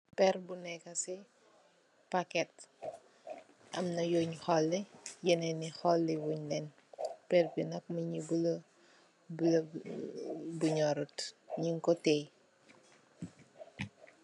Pehrre bu neka cii packet, amna yungh horli, yenen yii horli wungh len, pehrre bii nak mungy bleu, bleu bu njorut, njung kor tiyeh.